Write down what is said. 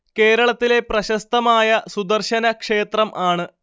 കേരളത്തിലെ പ്രശസ്തമായ സുദർശന ക്ഷേത്രം ആണ്